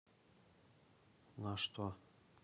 на что